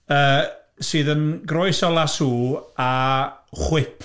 Yy sydd yn groes o lasŵ a chwip.